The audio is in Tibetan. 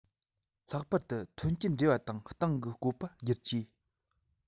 ལྷག པར དུ ཐོན སྐྱེད འབྲེལ བ དང སྟེང གི བཀོད པ བསྒྱུར བཅོས